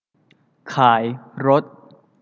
ขายรถ